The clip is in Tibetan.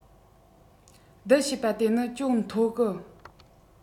བསྡུ བྱེད པ དེ ནི ཅུང མཐོ གི